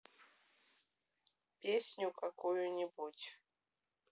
песню какую нибудь